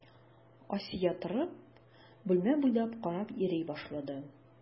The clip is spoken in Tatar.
Асия торып, бүлмә буйлап карап йөри башлады.